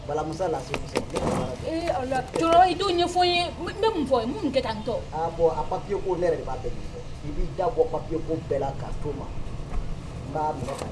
Balasa i ye fɔ n ye n bɛ min fɔ kɛ taa ntɔ a papiye ko ne yɛrɛ b'a i b'i da kɔ papiye ko bɛɛ la k ka to ma'a